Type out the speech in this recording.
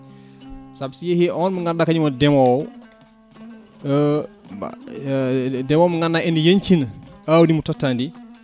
saabu so yeeyi on mo ganduɗa kañum woni ndeemowo ndeemowo mo ganduɗa ene yeñcina awdi mo totta ndi